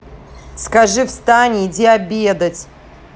скажи встань и иди обедать